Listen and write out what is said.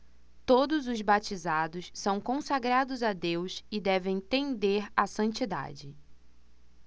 todos os batizados são consagrados a deus e devem tender à santidade